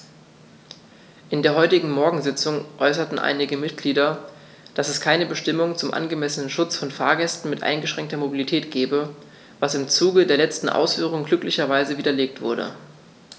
In der heutigen Morgensitzung äußerten einige Mitglieder, dass es keine Bestimmung zum angemessenen Schutz von Fahrgästen mit eingeschränkter Mobilität gebe, was im Zuge der letzten Ausführungen glücklicherweise widerlegt wurde.